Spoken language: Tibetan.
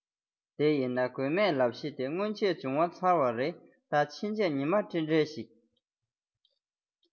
དེ ཡིན ན དགོས མེད ལབ གཞི འདི སྔོན ཆད བྱུང བ ཚར བ རེད ད ཕྱིན ཆད ཉི མ སྤྲིན བྲལ ཞིག